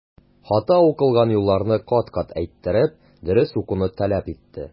Хата укылган юлларны кат-кат әйттереп, дөрес укуны таләп итте.